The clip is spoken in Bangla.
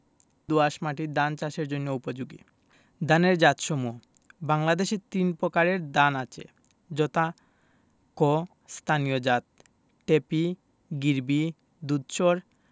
দোআঁশ মাটি ধান চাষের জন্য উপযোগী ধানের জাতসমূহঃ বাংলাদেশে তিন পকারের ধান আছে যথাঃ ক স্থানীয় জাতঃ টেপি গিরবি দুধসর